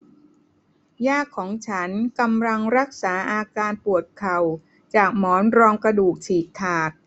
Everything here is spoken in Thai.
ย่าของฉันกำลังรักษาอาการปวดเข่าจากหมอนรองกระดูกฉีดขาด